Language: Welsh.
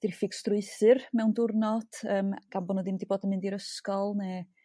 diffyg strwythur mewn diwrnod yrm gan bo' nhw ddim 'di bod yn mynd i'r ysgol ne'...